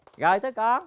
gòi tới con